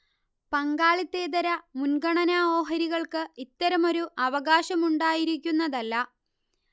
പങ്കാളിത്തേതര മുൻഗണനാ ഓഹരികൾക്ക് ഇത്തരമൊരു അവകാശമുണ്ടായിരിക്കുന്നതല്ല